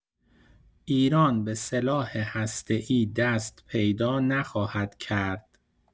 ایران به سلاح هسته‌ای دست پیدا نخواهد کرد.